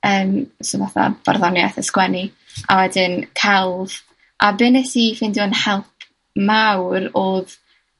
yym so fatha barddoniaeth a sgwennu a wedyn celf a be' nes i ffeindio'n help mawr odd